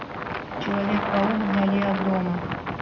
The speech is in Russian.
человек паук в дали от дома